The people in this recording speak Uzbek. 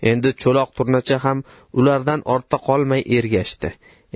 endi cho'loq turnacha ham ulardan ortda qolmay ergashdi